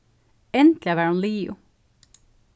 endiliga var hon liðug